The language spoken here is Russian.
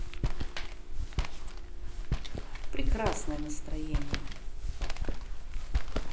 прекрасное настроение